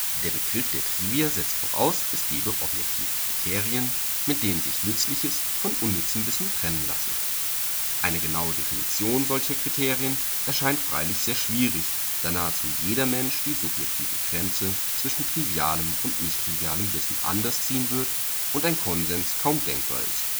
Begriff der Trivia setzt voraus, es gebe objektive Kriterien, mit denen sich nützliches von unnützem Wissen trennen lasse. Eine genaue Definition solcher Kriterien erscheint freilich sehr schwierig, da nahezu jeder Mensch die subjektive Grenze zwischen trivialem und nichttrivialem Wissen anders ziehen wird und ein Konsens kaum denkbar ist